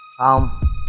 không